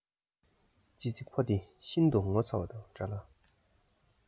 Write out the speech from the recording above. ཙི ཙི ཕོ དེ ཤིན ཏུ ངོ ཚ བ དང འདྲ ལ